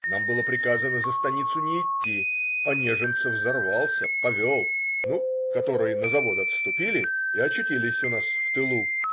Нам было приказано за станицу не идти, а Нежинцев зарвался, повел, ну, которые на завод отступили и очутились у нас в тылу.